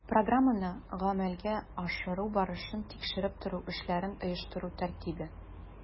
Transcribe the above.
Программаны гамәлгә ашыру барышын тикшереп тору эшләрен оештыру тәртибе